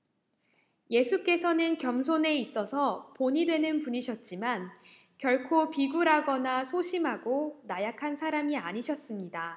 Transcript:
예수께서는 겸손에 있어서 본이 되는 분이셨지만 결코 비굴하거나 소심하고 나약한 사람이 아니셨습니다